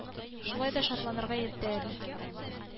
Өч яшьлек кенә әле ул.